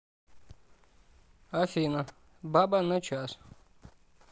афина баба на час